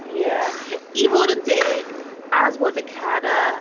Ie, i fod yn deg, as was Ikenna.